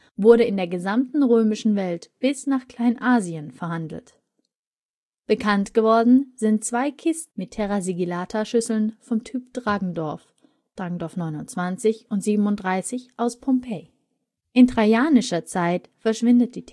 wurde in der gesamten römischen Welt, bis nach Kleinasien, verhandelt. Bekannt geworden sind zwei Kisten mit TS-Schüsseln vom Typ Dragendorff (Drag.) 29 und Drag. 37 aus Pompeji. In trajanischer Zeit verschwindet die